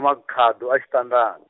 i Makhado a Xitandani.